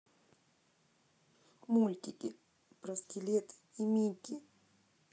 мультики про скелеты и микки